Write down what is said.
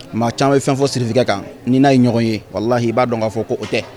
Maa caman bɛ fɛn fɔ siritigɛ kan ni n'a ye ɲɔgɔn ye walahi i b'a dɔn k'a fɔ ko oo tɛ